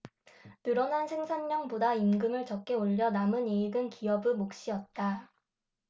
늘어난 생산량보다 임금을 적게 올려 남은 이익은 기업의 몫이었다